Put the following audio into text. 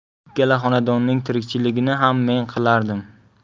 ikkala xonadonning tirikchiligini xam men qilar edim